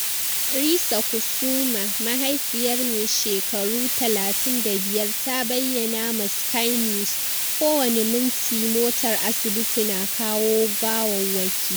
Risa Kusuma, mahaifiyar mai shekaru 35, ta bayyana ma Sky News: "Kowane minti motar asibiti na kawo gawawwaki.